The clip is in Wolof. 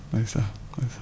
ndeysaan ndeysaan